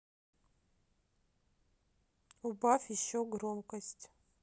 убавь еще громкость